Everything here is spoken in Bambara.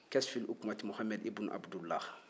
kɛsulli ukmati muhamɛd ibun abudulayi